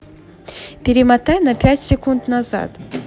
перемотай на пять секунд назад